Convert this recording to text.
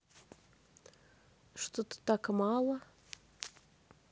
что то так мало